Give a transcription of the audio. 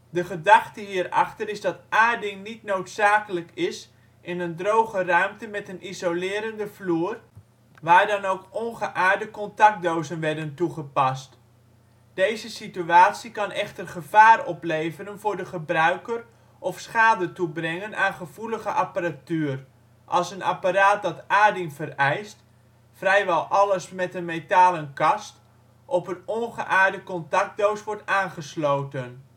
De gedachte hierachter is dat aarding niet noodzakelijk is in een droge ruimte met een isolerende vloer, waar dan ook ongeaarde contactdozen werden toegepast. Deze situatie kan echter gevaar opleveren voor de gebruiker of schade toebrengen aan gevoelige apparatuur (computers) als een apparaat dat aarding vereist (vrijwel alles met een metalen kast) op een ongeaarde contactdoos wordt aangesloten